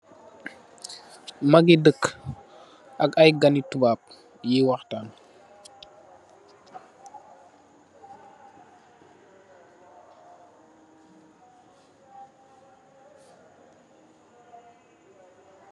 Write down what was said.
Mag ngi dék ak ay ganni tubab yi waxtaan.